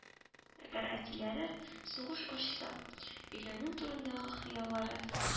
Әгәр әтиләре сугыш ачса, өйләнү турындагы хыяллары